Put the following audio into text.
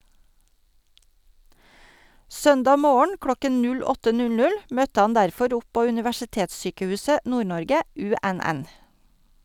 Søndag morgen klokken 08:00 møtte han derfor opp på Universitetssykehuset Nord-Norge (UNN).